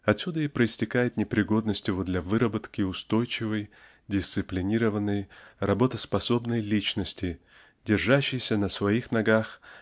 Отсюда и проистекает непригодность его для выработки устойчивой дисциплинированной работоспособной личности держащейся на своих ногах